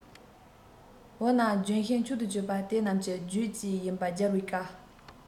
འོ ན ལྗོན ཤིང མཆོག ཏུ འགྱུར པ དེ རྣམས ཀྱི རྒྱུད བཅས ཡིན པ རྒྱལ བའི བཀའ